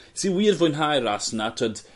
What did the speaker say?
'S i wir fwynhau y ras 'na 'twod